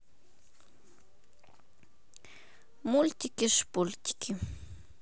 мультики шпультики